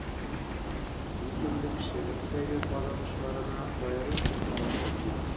Үсемлекчелектәге казанышларына аерым тукталырга кирәк.